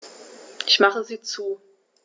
Ich mache sie zu.